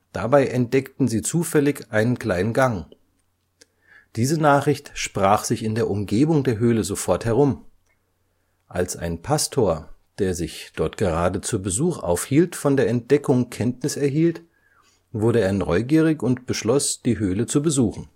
Dabei entdeckten sie zufällig einen kleinen Gang. Diese Nachricht sprach sich in der Umgebung der Höhle sofort herum. Als ein Pastor, der sich dort gerade zu Besuch aufhielt, von der Entdeckung Kenntnis erhielt, wurde er neugierig und beschloss, die Höhle zu besuchen